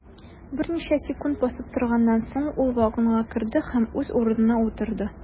Берничә секунд басып торганнан соң, ул вагонга керде һәм үз урынына утырды.